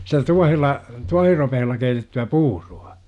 sitä tuohella tuohiropeella keitettyä puuroa